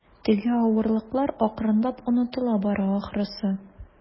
Теге авырлыклар акрынлап онытыла бара, ахрысы.